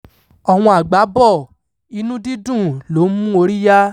Awọn àgbá bọ̀, inú dídùn l'ó ń mú orí yá.